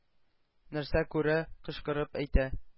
Нәрсә күрә, кычкырып әйтә,